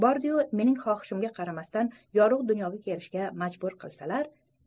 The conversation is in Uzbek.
bordi yu xohishimga qaramasdan meni yorug' dunyoga kelishga majbur qilsalar